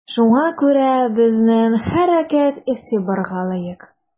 Шуңа күрә безнең хәрәкәт игътибарга лаек.